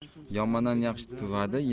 yomondan yaxshi tuvadi